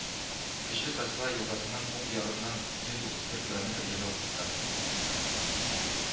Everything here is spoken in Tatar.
Кече Сосьва елгасының уң ярыннан йөз утыз бер километр ераклыкта